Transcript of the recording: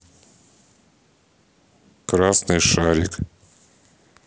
красный шарик